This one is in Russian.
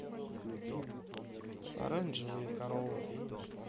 оранжевые коровы